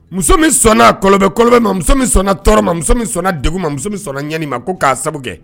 Muso min sɔnna muso min sɔnna tɔɔrɔma muso min sɔnna de ma muso min ɲani ko k'a sababu